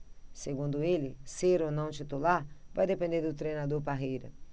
segundo ele ser ou não titular vai depender do treinador parreira